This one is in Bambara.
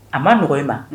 A ma nɔgɔ i ma